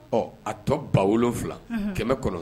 Ɔ a tɔ ba wolonwula kɛmɛ kɔnɔ